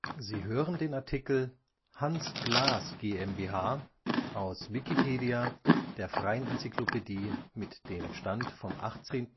Sie hören den Artikel Hans Glas GmbH, aus Wikipedia, der freien Enzyklopädie. Mit dem Stand vom Der